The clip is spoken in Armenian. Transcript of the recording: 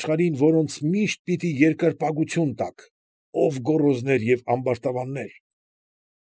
Աշխարհին, որոնց միշտ պիտի երկրպագություն տաք, ո՜վ գոռոզներ և ամբարտավաններ։